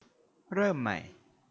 เริ่มใหม่